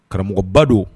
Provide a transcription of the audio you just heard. Karamɔgɔba don